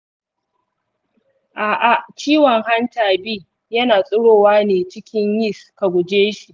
a’a, ciwon hanta b yana tsirowa ne cikin yis. ka guje shi.